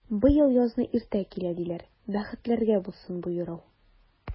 Быел язны иртә килә, диләр, бәхетләргә булсын бу юрау!